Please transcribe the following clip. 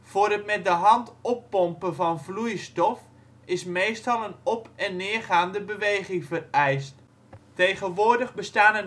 Voor het met de hand oppompen van vloeistof is meestal een op - en neergaande beweging vereist. Tegenwoordig bestaan